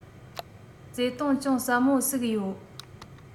བརྩེ དུང གཅུང ཟབ མོ ཟུག ཡོད